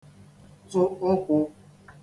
tụ ụkwụ